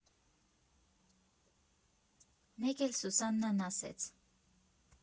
Մեկ էլ Սուսաննան ասեց.